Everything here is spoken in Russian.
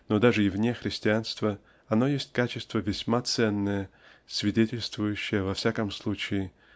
но даже и вне христианства оно есть качество весьма ценное свидетельствующее во всяком случае